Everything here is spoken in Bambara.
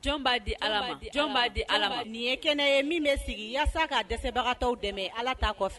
Jɔn'a di ala'a di ala ma nin ye kɛnɛ ye min bɛ sigi walasasa k kaa dɛsɛsebagatɔ dɛmɛ ala t kɔfɛ